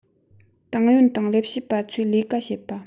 ཏང ཡོན དང ལས བྱེད པ ཚོས ལས ཀ བྱེད པ